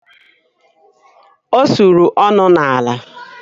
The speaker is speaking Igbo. Ọ suru ọnụ n'ala.